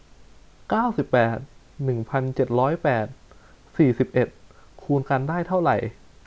เก้าสิบแปดหนึ่งพันเจ็ดร้อยแปดสี่สิบเอ็ดคูณกันได้เท่าไหร่